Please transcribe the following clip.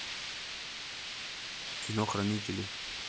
кино хранители